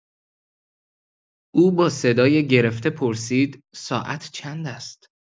او با صدای گرفته پرسید: «ساعت چند است؟!»